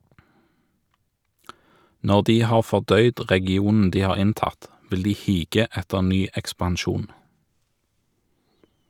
Når de har fordøyd regionen de har inntatt, vil de hige etter ny ekspansjon.